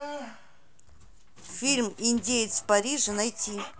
фильм индеец в париже найти